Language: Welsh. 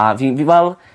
a fi'n fi'n fel...